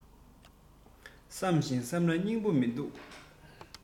བསམ ཞིང བསམ ན སྙིང པོ མིན འདུག